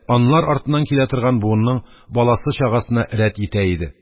Анлар артыннан килә торган буынның баласы-чагасына рәт йитә иде.